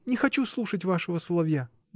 Не хочу слушать вашего соловья!